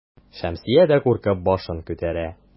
Шәмсия дә куркып башын күтәрә.